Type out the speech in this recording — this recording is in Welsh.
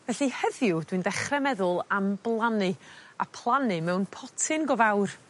felly heddiw dwi'n dechre meddwl am blannu a plannu mewn potyn go fawr.